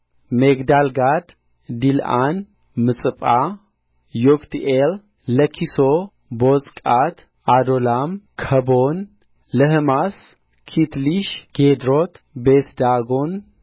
ሚግዳልጋድ ዲልዓን ምጽጳ ዮቅትኤል ለኪሶ ቦጽቃት ኦዶላም ከቦን ለሕማስ ኪትሊሽ ግዴሮት ቤትዳጎን